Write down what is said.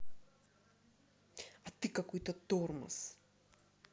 а ты какой то тормоз